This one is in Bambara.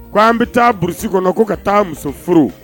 Ko an bɛ taa burusi kɔnɔ ko ka taa muso furu